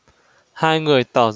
hai người tỏ